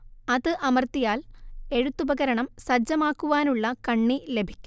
അത് അമർത്തിയാൽ എഴുത്തുപകരണം സജ്ജമാക്കുവാനുള്ള കണ്ണി ലഭിക്കും